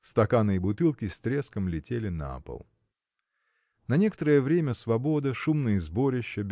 Стаканы и бутылки с треском летели на пол. На некоторое время свобода шумные сборища